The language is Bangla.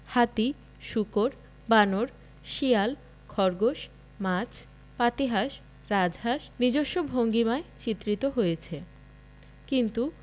হাতি শূকর বানর শিয়াল খরগোশ মাছ পাতিহাঁস রাজহাঁস নিজস্ব ভঙ্গিমায় চিত্রিত হয়েছে কিন্তু